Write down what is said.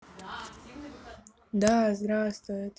да здравствует